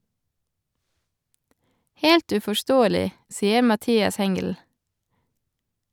- Helt uforståelig , sier Mathias Hengl.